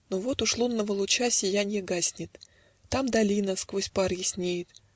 Но вот уж лунного луча Сиянье гаснет. Там долина Сквозь пар яснеет.